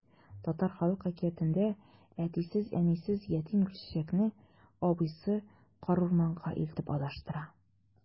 Татар халык әкиятендә әтисез-әнисез ятим Гөлчәчәкне абыйсы карурманга илтеп адаштыра.